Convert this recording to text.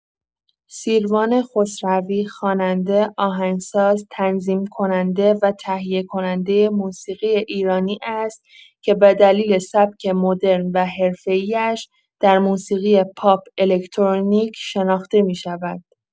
سیروان خسروی خواننده، آهنگساز، تنظیم‌کننده و تهیه‌کننده موسیقی ایرانی است که به دلیل سبک مدرن و حرفه‌ای‌اش در موسیقی پاپ الکترونیک شناخته می‌شود.